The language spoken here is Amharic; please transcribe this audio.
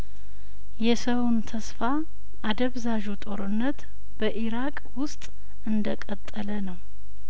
የሰውን ተስፋ አደብዛዡ ጦርነት በኢራቅ ውስጥ እንደቀጠለነው